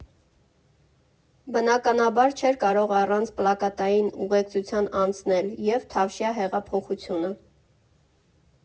Բնականաբար, չէր կարող առանց պլակատային ուղեկցության անցնել և Թավշյա հեղափոխությունը։